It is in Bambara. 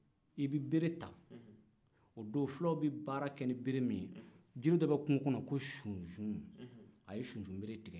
i bɛ bere ta o don fulaw bɛ baara kɛ ni bere min ye jiri dɔ bɛ kungo kɔnɔ ko sunsun a ye sunsun bere tigɛ